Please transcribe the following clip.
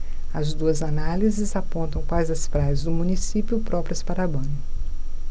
as duas análises apontam quais as praias do município próprias para banho